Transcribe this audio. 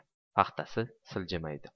paxtasi siljimaydi